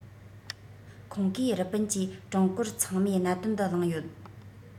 ཁོང གིས རི པིན གྱིས ཀྲུང གོར ཚང མས གནད དོན འདི གླེང ཡོད